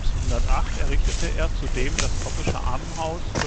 1708 errichtete er zudem das Koppesche Armenhaus